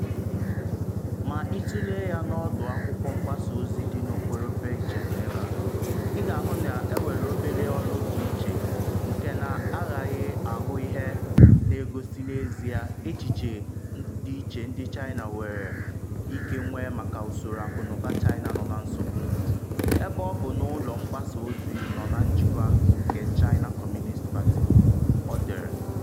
“Ma ịtụlee ya n’ọdụ akwụkwọ mgbasa ozi dị n’okporo beijing ebe a, ịga ahụ na enwere obere olu ndịiche nke na ịghaghị ahụ ihe n’egosi n’ezie echiche di iche ndị China nwere ike nwee maka usoro akụnụba China nọ na nsogbu, ebe ọ bụ n’ụlọ mgbasa ozi nọ na njikwa nke China Communist Party,” ọ dere.